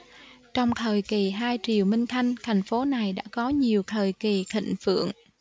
trong thời kỳ hai triều minh thanh thành phố này đã có nhiều thời kỳ thịnh vượng